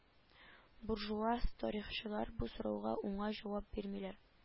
Буржуаз тарихчылар бу сорауга уңай җавап бирмиләр